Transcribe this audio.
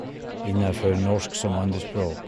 Innafor norsk som andrespråk.